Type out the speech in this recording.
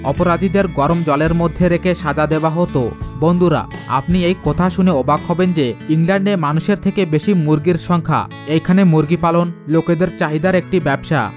অপরাধীদের গরম জলের মধ্যে রেখে সাজা দেয়া হতো বন্ধুরা আপনি এই কথা শুনে অবাক হবেন যে ইংল্যান্ডের মানুষের থেকে বেশি মুরগির সংখ্যা এখানে মুরগি পালন লোকেদের চাহিদার একটি ব্যবসা